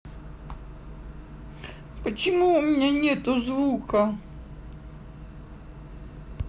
почему у меня нету звука